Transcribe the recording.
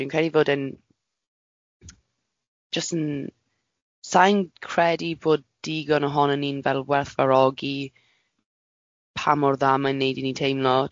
Dwi'n credu fod yn, jyst yn, sai'n credu bod digon, ohonyn ni'n fel gwerthfawrogi pa mor dda mae'n wneud i ni teimlo.